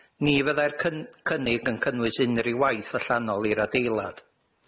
Ni fyddai'r cyn- cynnig yn cynnwys unrhyw waith allanol i'r adeilad.